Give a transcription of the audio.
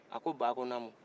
a ko ba a ko naamu